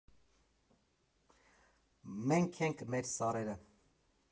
Մենք ենք մեր սարերը։